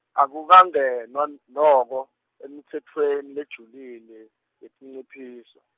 Akukangenwa n- noko, emitsetfweni lejulile, yetinciphiso.